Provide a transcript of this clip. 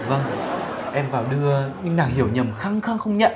vâng em vào đưa nhưng nàng hiểu nhầm khăng khăng không nhận